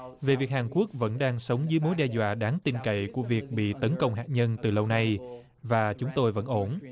về việc hàn quốc vẫn đang sống dưới mối đe dọa đáng tin cậy của việc bị tấn công hạt nhân từ lâu nay và chúng tôi vẫn ổn